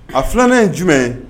A filɛ ye jumɛn ye